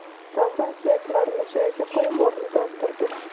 davron suyaklarni joyiga qo'yib o'rnidan turdi